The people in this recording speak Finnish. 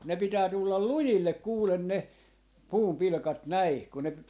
ne pitää tulla lujille kuule ne puunpilkat näin kun ne